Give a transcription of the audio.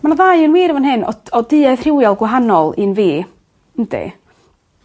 Ma' 'na ddau yn wir yn fan hyn o t- o duedd rhywiol gwahanol un fi. Yndi.